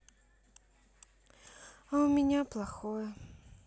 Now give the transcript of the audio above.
а у меня плохое